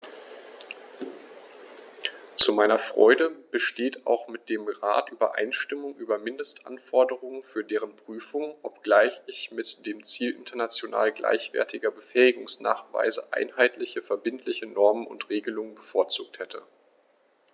Zu meiner Freude besteht auch mit dem Rat Übereinstimmung über Mindestanforderungen für deren Prüfung, obgleich ich mit dem Ziel international gleichwertiger Befähigungsnachweise einheitliche verbindliche Normen und Regelungen bevorzugt hätte.